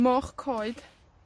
moch coed